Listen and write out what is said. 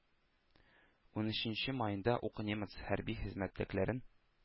Унөченче маенда ук немец хәрби хезмәткәрләрен